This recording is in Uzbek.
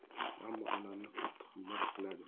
ammo onamni qattiq hurmat qiladi